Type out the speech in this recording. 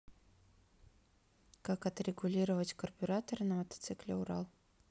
как отрегулировать карбюраторы на мотоцикле урал